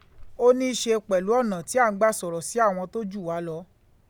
Ó ní í ṣe pẹ̀lú ọ̀nà tí à ń gbà sọ̀rọ̀ sí àwọn tó jù wá lọ